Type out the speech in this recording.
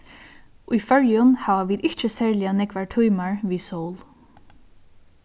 í føroyum hava vit ikki serliga nógvar tímar við sól